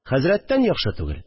Хәзрәттән яхшы түгел